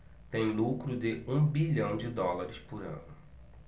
tem lucro de um bilhão de dólares por ano